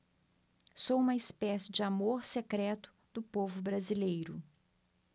sou uma espécie de amor secreto do povo brasileiro